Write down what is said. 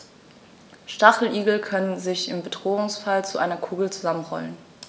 Stacheligel können sich im Bedrohungsfall zu einer Kugel zusammenrollen.